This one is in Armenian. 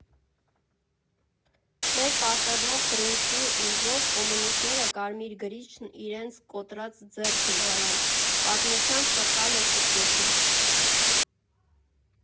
Մեր պարտադրող բռունցքի ուժով կոմունիստները կարմիր գրիչն իրենց կոտրած ձեռքն առան՝ «պատմության սխալը» շտկեցին։